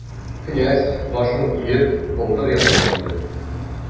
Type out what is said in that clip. Князь, башын иеп, болдыр янына килде.